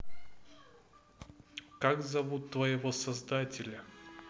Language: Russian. как зовут твоего создателя